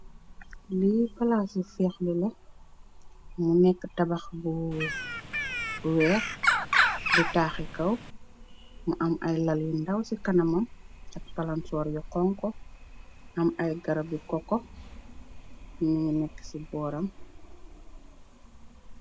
lii palaa ci feixlele mu nekk tabax bu weex di taaxi kaw mu am ay lal yu ndaw ci kanamam ak palansor yu xonko am ay garabbi kokko ningi nekk ci booram